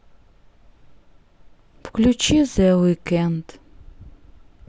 включи зе уикенд